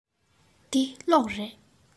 འདི གློག རེད